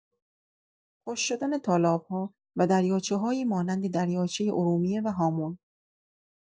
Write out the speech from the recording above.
خشک‌شدن تالاب‌ها و دریاچه‌هایی مانند دریاچه ارومیه و هامون